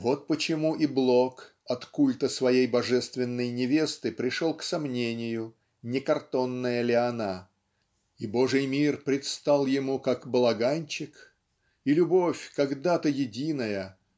Вот почему и Блок от культа своей божественной невесты пришел к сомнению не картонная ли она и Божий мир предстал ему как балаганчик и любовь когда-то единая